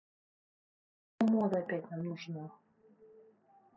турбомода опять нам нужна